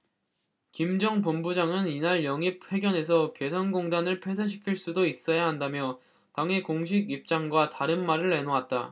김 전 본부장은 이날 영입 회견에서 개성공단을 폐쇄시킬 수도 있어야 한다며 당의 공식 입장과 다른 말을 내놓았다